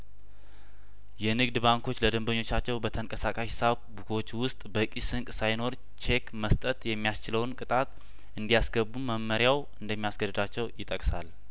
የንግድ ባንኮች ለደንበኞቻቸው በተንቀሳቃሽ ሂሳብ ቡኮች ውስጥ በቂ ስንቅ ሳይኖር ቼክ መስጠት የሚያስችለውን ቅጣት እንዲያስገቡ መመሪያው እንደሚያስገድዳቸው ይጠቅሳል